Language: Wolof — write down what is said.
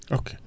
ok